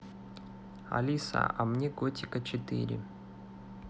алиса а мне готика четыре